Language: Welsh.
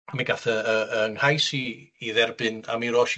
A mi gath y y 'yng nghais i 'i dderbyn, a mi ro's i